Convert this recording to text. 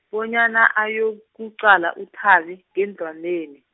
bonyana ayokuqala uThabi, ngendlwaneni.